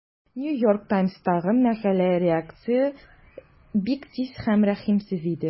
New York Times'тагы мәкаләгә реакция бик тиз һәм рәхимсез иде.